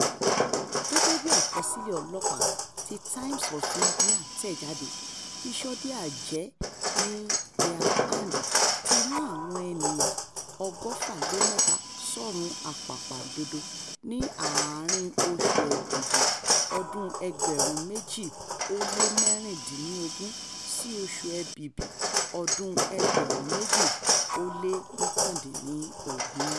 Gẹ̀gẹ̀ bí àkọsílẹ̀ ọlọ́pàá tí Times of India tẹ̀jáde, ìṣọdẹ-àjẹ́ ní Jharkhand ti rán àwọn ènìyàn 123 sọ́run àpàpàǹdodo ní àárín-in oṣù Èbìbí ọdún-un 2016 sí oṣù Èbìbí ọdún-un 2019.